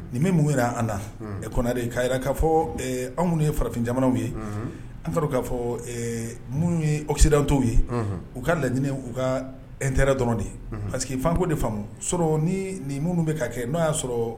Nin bɛ mun jira an na ɛ kɔnɛ ye ka jira k'a fɔ anw minnu ye farafin jamanaw ye an taara k'a fɔ minnu yesi t ye u ka laɲiniinɛ u ka nte dɔrɔn de ye pari que fanko de faamu sɔrɔ ni nin minnu bɛ ka kɛ n'a y'a sɔrɔ